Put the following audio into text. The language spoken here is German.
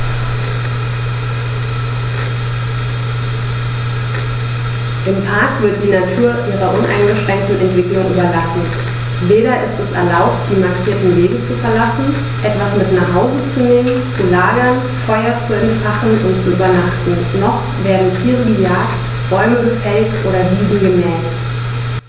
Im Park wird die Natur ihrer uneingeschränkten Entwicklung überlassen; weder ist es erlaubt, die markierten Wege zu verlassen, etwas mit nach Hause zu nehmen, zu lagern, Feuer zu entfachen und zu übernachten, noch werden Tiere gejagt, Bäume gefällt oder Wiesen gemäht.